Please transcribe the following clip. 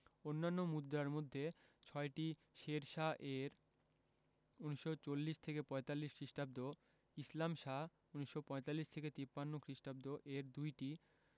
অন্যান্য মুদ্রার মধ্যে ছয়টি শেরশাহ এর ১৯৪০ থেকে ৪৫ খ্রিটাব্দ ইসলাম শাহ ১৯৪৫ থেকে ৫৩ খ্রিটাব্দ এর দুইটি